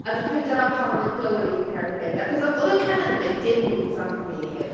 A dwi'n credu dyna pam oedd e'n gywir i Ikenna mynd, achos oedd oedd Ikenna ddim yn wneud dim moves ar neb.